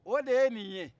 o de ye nin ye